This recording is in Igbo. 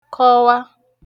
kọwa